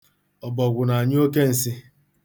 Ọbọgwụ na-anyụ oke nsị.